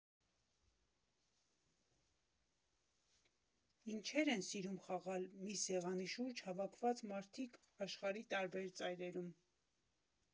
Ինչեր են սիրում խաղալ մի սեղանի շուրջ հավաքված մարդիկ աշխարհի տարբեր ծայրերում։